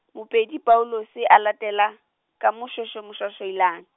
Mopeli Paulus a latela, ka Moshoeshoe Moshoashoailane.